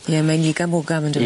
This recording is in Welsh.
Ie mae'n igamogam on'd yfe?